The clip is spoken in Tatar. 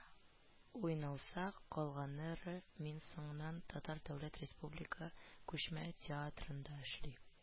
Уйналса, калганнары, мин соңыннан татар дәүләт республика күчмә театрында эшли